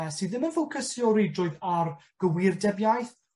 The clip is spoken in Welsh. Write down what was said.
yy sy ddim yn ffocysu o ridrwydd ar gywirdeb iaith,